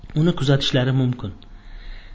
uni kuzatishlari mumkin